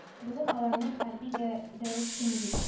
- бүген аларның хәрби дә дәрес көне бит